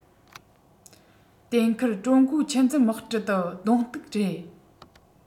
གཏན འཁེལ ཀྲུང གོའི ཆུར འཛུལ དམག གྲུ ཏུ གདོང གཏུག རེད